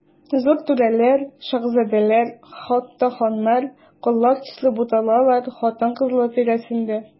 Зур түрәләр, шаһзадәләр, хәтта ханнар, коллар төсле буталалар хатын-кызлар тирәсендә.